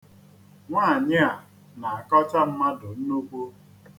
Nwaanyị a na-akọcha mmadụ nnukwu.